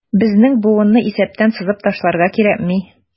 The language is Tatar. Безнең буынны исәптән сызып ташларга кирәкми.